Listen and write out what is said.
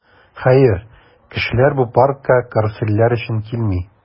Хәер, кешеләр бу паркка карусельләр өчен килми.